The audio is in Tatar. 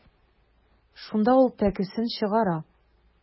Шунда ул пәкесен чыгара.